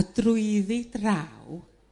A drwyddi draw